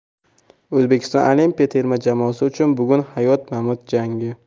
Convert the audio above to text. o'zbekiston olimpiya terma jamoasi uchun bugun hayot mamot jangi